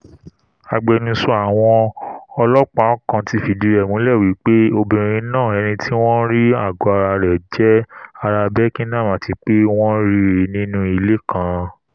Agbẹnusọ àwọn ọlọ́ọ̀pá kan ti fìdí rẹ múlẹ̀ wí pé obìnrin náà ẹniti wọ́n rí àgọ́-ara rẹ̀ jẹ ará Birkenhead àtipé wọn ríi nínú ilé kan.